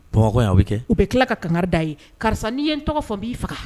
Bamakɔ yan o bɛ tila ka kangari da a ye karisa n'i ye n tɔgɔ fɔ n b'i faga.